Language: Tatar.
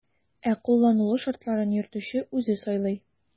Ә кулланылу шартларын йөртүче үзе сайлый.